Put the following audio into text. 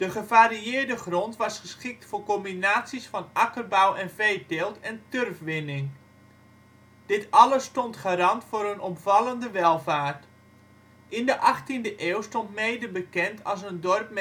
gevarieerde grond was geschikt voor combinaties van akkerbouw en veeteelt en turfwinning. Dit alles stond garant voor een opvallende welvaart. In de achttiende eeuw stond Meeden bekend als een dorp